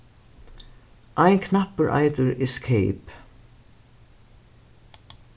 ein knappur eitur escape